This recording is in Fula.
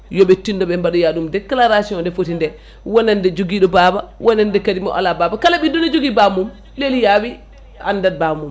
yooɓe tinno ɓe mbaɗoya vum déclaration nde foti nde wonande joguiɗo baaba wonande kadi mo ala baaba kala ɓiɗɗo ne jogui bammum leli yaawi andat bammum